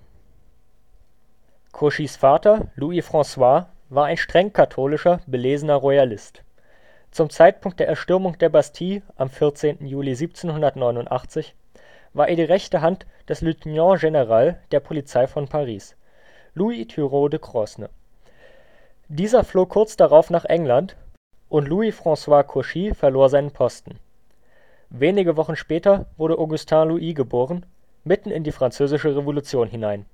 Cauchys Vater Louis-François war ein streng katholischer, belesener Royalist. Zum Zeitpunkt der Erstürmung der Bastille am 14. Juli 1789 war er die rechte Hand des Lieutenant Général der Polizei von Paris, Louis Thiroux de Crosne. Dieser floh kurz darauf nach England, und Louis-François Cauchy verlor seinen Posten. Wenige Wochen später wurde Augustin Louis geboren, mitten in die französische Revolution hinein